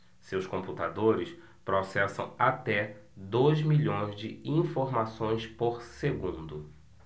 seus computadores processam até dois milhões de informações por segundo